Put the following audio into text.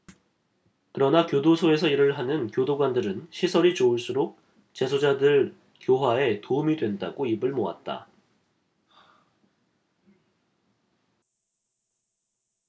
그러나 교도소에서 일을 하는 교도관들은 시설이 좋을수록 재소자들 교화에 도움이 된다고 입을 모았다